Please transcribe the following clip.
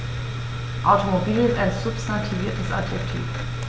Automobil ist ein substantiviertes Adjektiv.